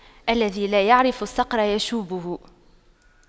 الذي لا يعرف الصقر يشويه